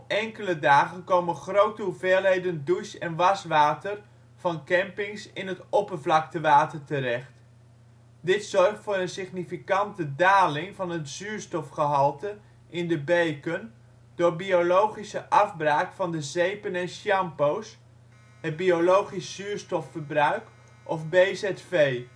enkele dagen komen grote hoeveelheden douche - en waswater van campings in het oppervlaktewater terecht. Dit zorgt voor een significante daling van het zuurstofgehalte in de beken door biologische afbraak van de zepen en shampoos (het Biologisch zuurstofverbruik of BZV). In 2007